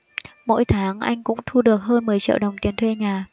mỗi tháng anh cũng thu được hơn mười triệu đồng tiền thuê nhà